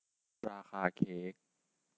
ราคาเค้ก